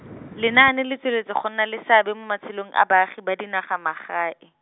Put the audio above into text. lenaane le tsweletse go nna le seabe mo matshelong a baagi ba dinaga magae.